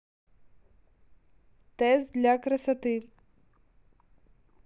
тест для красоты